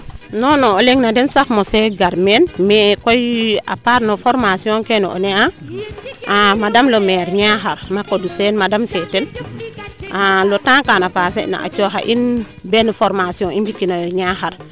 non non o leŋ na den sax mose gar meen mais koy a part no formation keene o ne'a madame le maire Niakhar Macodou Sene madam fee ten no tang kaana passer na cooxa in ben formation i mbi kinoyo Niakhar \